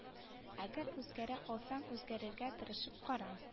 Әгәр үзгәрә алсаң үзгәрергә тырышып кара